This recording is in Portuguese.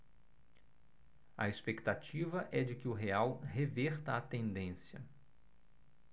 a expectativa é de que o real reverta a tendência